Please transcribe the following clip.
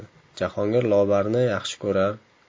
jahongir lobarni yaxshi ko'rar